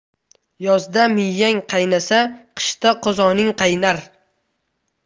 yozda miyang qaynasa qishda qozoning qaynar